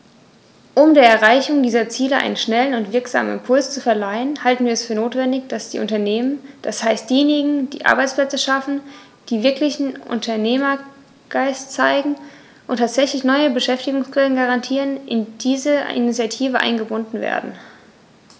Um der Erreichung dieser Ziele einen schnellen und wirksamen Impuls zu verleihen, halten wir es für notwendig, dass die Unternehmer, das heißt diejenigen, die Arbeitsplätze schaffen, die wirklichen Unternehmergeist zeigen und tatsächlich neue Beschäftigungsquellen garantieren, in diese Initiative eingebunden werden.